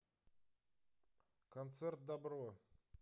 концерт добро